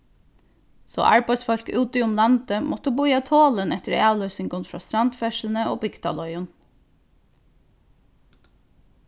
so arbeiðsfólk úti um landið máttu bíða tolin eftir avlýsingum frá strandferðsluni og bygdaleiðum